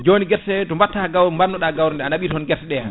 joni guerte ɗe to batta gaw to banno ɗa gawri ndi a ɗaɓɓi ton guerte ɗe